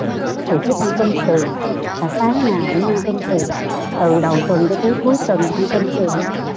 thì thích ăn cơm sườn mà sáng nào cũng ăn cơm sườn từ đầu tuần cho tới cuối tuần ăn cơm sườn á